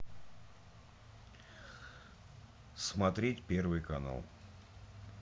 смотреть первый канал